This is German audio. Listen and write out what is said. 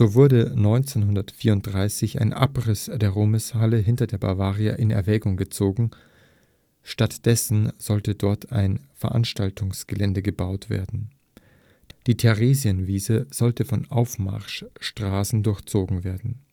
wurde 1934 ein Abriss der Ruhmeshalle hinter der Bavaria in Erwägung gezogen, stattdessen sollte dort ein Veranstaltungsgelände gebaut werden, die Theresienwiese sollte von Aufmarschstraßen durchzogen werden